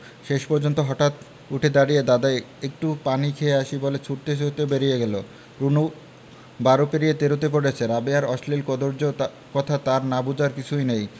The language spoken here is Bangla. শেষ পর্যন্ত হঠাৎ উঠে দাড়িয়ে দাদা একটু পানি খেয়ে আসি বলে ছুটতে ছুটতে বেরিয়ে গেল রুনু বারো পেরিয়ে তেরোতে পড়েছে রাবেয়ার অশ্লীল কদৰ্য কথা তার না বুঝার কিছুই নেই